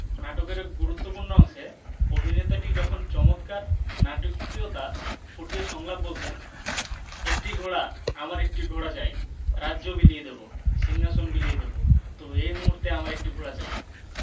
নাটকের এক গুরুত্তপূ্র্ণ অংশে অভিনেতাটি যখন চমৎকার নাটকীয়তা ফুটিয়ে সংলাপ বলছেন একটি ঘোড়া আমার একটি ঘোড়া চাই রাজ্য বিলিয়ে দেবো সিংহাশন বিলিয়ে দেবো তবু এই মুহূর্তে আমার একটি ঘোড়া চাই